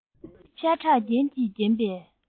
ཤ ཁྲག རྒྱན གྱིས བརྒྱན པའི